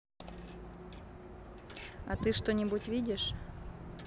а ты что нибудь видишь